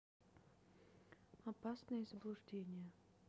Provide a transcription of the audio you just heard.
опасные заблуждения